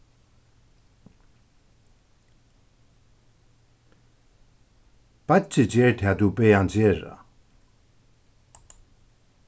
beiggi ger tað tú bað hann gera